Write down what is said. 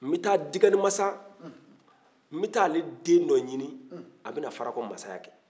n bɛ taa dikalimansa n bɛ taa ale den dɔ ɲini a bɛna farakɔ mansaya kɛ